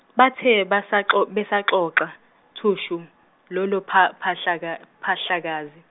bathe basaxo- besaxoxa, thushu, lolu- pha- phahlaka- phahlakazi.